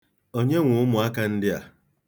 Onye nwe ụmụaka ndị a?